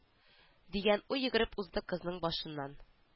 Дигән уй йөгереп узды кызның башыннан